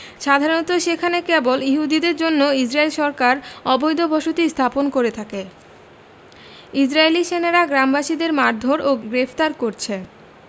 সাধারণত সেখানে কেবল ইহুদিদের জন্য ইসরাইল সরকার অবৈধ বসতি স্থাপন করে থাকে ইসরাইলী সেনারা গ্রামবাসীদের মারধোর ও গ্রেফতার করছে